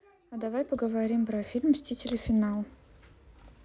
а давай поговорим про фильм мстители финал